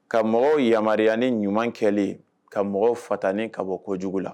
Ka mɔgɔw yamaruya ni ɲuman kɛlen ye, ka mɔgɔw fatani ka bɔ jugu la.